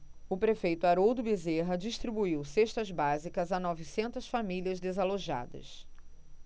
o prefeito haroldo bezerra distribuiu cestas básicas a novecentas famílias desalojadas